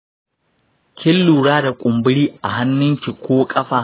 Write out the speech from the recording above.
kin lura da kumburi a hannunki ko ƙafa?